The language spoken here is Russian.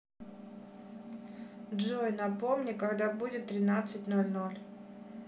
джой напомни когда будет тринадцать ноль ноль